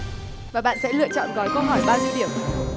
và bạn sẽ lựa chọn gói câu hỏi bao nhiêu điểm